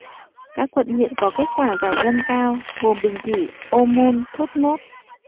các quận huyện có kết quả giải ngân cao gồm bình thủy ô môn thốt nốt